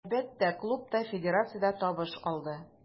Әлбәттә, клуб та, федерация дә табыш алды.